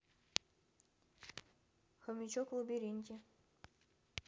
хомячок в лабиринте